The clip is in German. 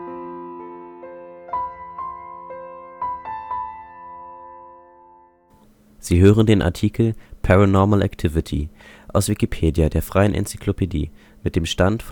Sie hören den Artikel Paranormal Activity, aus Wikipedia, der freien Enzyklopädie. Mit dem Stand vom